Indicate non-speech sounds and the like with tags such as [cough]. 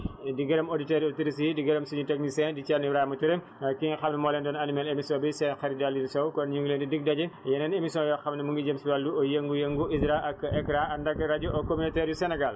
fii si département bu [noise] Linguère [noise] kii di monsieur Babacar Guèye di gërëm auditeurs yeeg auditrices yi di gërëm suñu technicien di Thierno Ibrahima Touré ki nga xam ne moo leen doon animé émission bi seen xarit di Aliou Sow kon ñu ngi leen di dig daje yeneeni émissions yoo xam ne mu ngi jëm si wàllu yëngu-yëngu